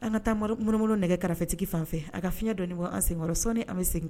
An ka taa mɔrɔ mɔrɔ munumunu nɛgɛ kɛrɛfɛtigi fanfɛ a ka fiɲɛ dɔnni bɔ an senkɔrɔ, sɔnni an bɛ segin.